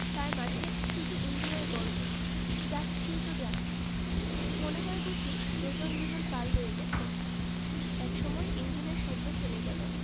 তার মাঝে শুধু ইঞ্জিনের গর্জন যাচ্ছি তো যাচ্ছি মনে হয় বুঝি যোজন যোজন পার হয়ে গেছে একসময় ইঞ্জিনের শব্দ থেমে গেলো